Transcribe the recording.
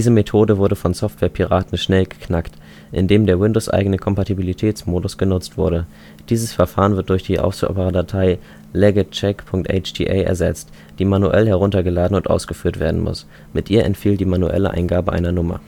Methode wurde von Softwarepiraten schnell geknackt, indem der windowseigene Kompatibilitätsmodus genutzt wurde. Dieses Verfahren wurde durch die ausführbare Datei legitcheck.hta ersetzt, die manuell heruntergeladen und ausgeführt werden muss. Mit ihr entfiel die manuelle Eingabe einer Nummer